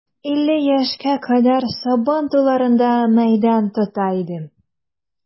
Илле яшькә кадәр сабан туйларында мәйдан тота идем.